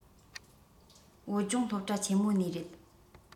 བོད ལྗོངས སློབ གྲྭ ཆེན མོ ནས རེད